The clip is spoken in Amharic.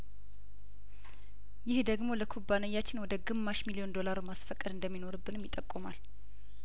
ይህ ደግሞ ለኩባንያችን ወደ ግማሽ ሚሊዮን ዶላር ማስፈቀድ እንደሚኖር ብንም ይጠቁማል